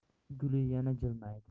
guli yana jilmaydi